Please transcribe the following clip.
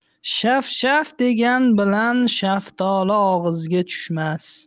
shaf shaf degan bilan shaftoli og'izga tushmas